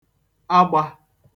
agbā